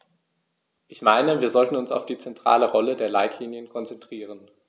Ich meine, wir sollten uns auf die zentrale Rolle der Leitlinien konzentrieren.